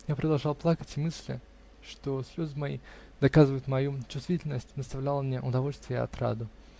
Я продолжал плакать, и мысль, что слезы мои доказывают мою чувствительность, доставляла мне удовольствие и отраду.